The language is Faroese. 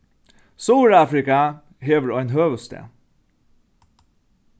suðurafrika hevur ein høvuðsstað